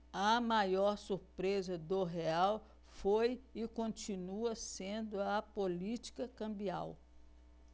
a maior surpresa do real foi e continua sendo a política cambial